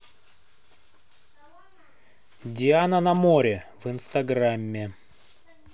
диана на море в инстаграме